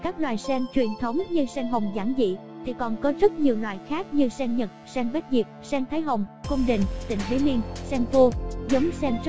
ngoài các loài sen truyền thống như sen hồng giản dị thì còn có rất nhiều loại khác như sen nhật sen bách diệp sen thái hồng cung đình tịnh đế liên sen vua giống sen rất đa dạng